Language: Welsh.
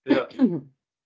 Ie.